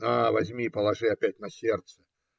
На, возьми, положи опять на сердце.